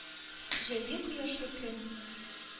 Җәйге кояшлы көн.